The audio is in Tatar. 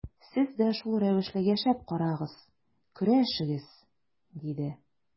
Сез дә шул рәвешле яшәп карагыз, көрәшегез, диде.